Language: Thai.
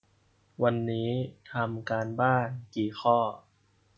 วันนี้ทำการบ้านกี่ข้อ